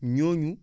ñooñu